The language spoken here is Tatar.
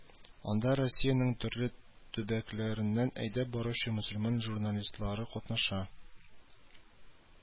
Анда Россиянең төрле төбәкләреннән әйдәп баручы мөселман журналистлары катнаша